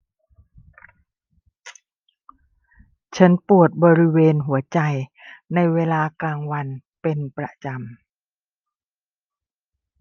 ฉันปวดบริเวณหัวใจในเวลากลางวันเป็นประจำ